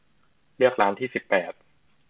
เลือกร้านที่สิบแปด